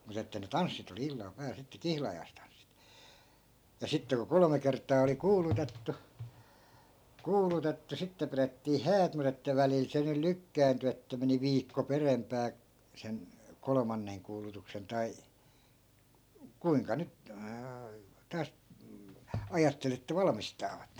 mutta että ne tanssit oli illalla päällä sitten kihlajaistanssit ja sitten kun kolme kertaa oli kuulutettu kuulutettu sitten pidettiin häät mutta että välillä se nyt lykkääntyi että meni viikko perempään sen kolmannen kuulutuksen tai kuinka nyt taas ajatteli että valmistavat